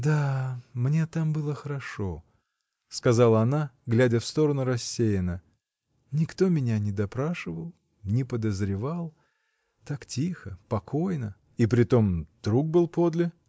— Да, мне там было хорошо, — сказала она, глядя в сторону рассеянно, — никто меня не допрашивал, не подозревал. так тихо, покойно. — И притом друг был подле?